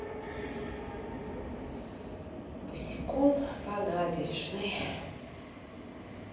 босиком по набережной